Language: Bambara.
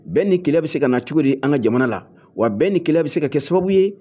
Bɛn ni kelenya bɛ se ka na cogo di an ka jamana na, wa bɛn ni kelenya bɛ se ka kɛ sababu ye